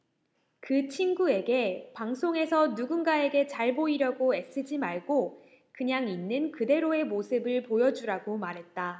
그 친구에게 방송에서 누군가에게 잘 보이려고 애쓰지 말고 그냥 있는 그대로의 모습을 보여 주라고 말했다